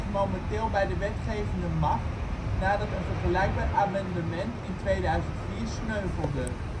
momenteel bij de wetgevende macht, nadat een vergelijkbaar amendement in 2004 sneuvelde